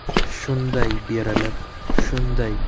shunday berilib shunday